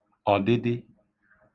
ọ̀dịdị